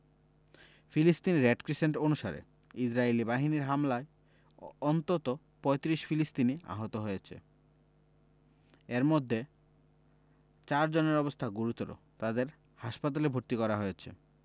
ফিলিস্তিনি red crescent অনুসারে ইসরাইলি বাহিনীর হামলায় অন্তত ৩৫ ফিলিস্তিনি আহত হয়েছেন এর মধ্যে চারজনের অবস্থা গুরুত্বর তাদের হাসপাতালে ভর্তি করা হয়েছে